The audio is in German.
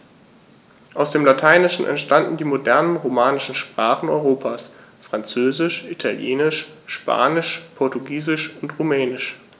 Aus dem Lateinischen entstanden die modernen „romanischen“ Sprachen Europas: Französisch, Italienisch, Spanisch, Portugiesisch und Rumänisch.